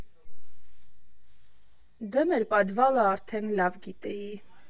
«Դե մեր պադվալը արդեն լավ գիտեի։